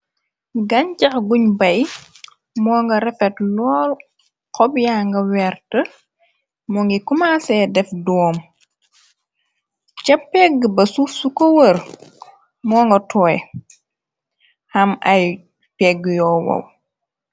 Gañcax guñ bay, moo nga refet lool, xob yanga wert, mo ngi kumasee def doom, ca pegg ba suuf suko wër moo nga tooy, ham ay pegg yu woow.